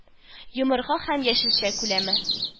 Йомырка һәм яшелчә күләме